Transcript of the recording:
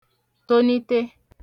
tonite